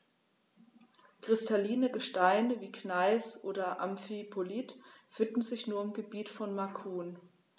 Kristalline Gesteine wie Gneis oder Amphibolit finden sich nur im Gebiet von Macun.